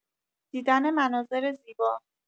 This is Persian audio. دیدن مناظر زیبا